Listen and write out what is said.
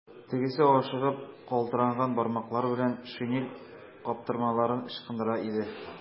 Тегесе ашыгып, калтыранган бармаклары белән шинель каптырмаларын ычкындыра иде.